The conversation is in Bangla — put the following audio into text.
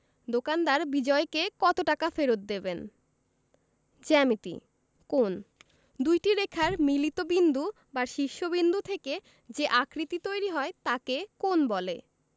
দোকানদার বিজয়কে কত টাকা ফেরত দেবেন জ্যামিতিঃ কোণঃ দুইটি রেখার মিলিত বিন্দু বা শীর্ষ বিন্দু থেকে যে আকৃতি তৈরি হয় তাকে কোণ বলে